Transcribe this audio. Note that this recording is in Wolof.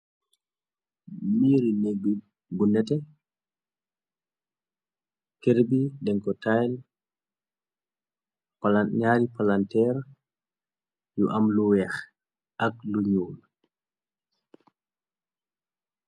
miiri nék bi bu nete kër bi denko tnaali nyari palanteer yu am lu weex ak lu ñuul.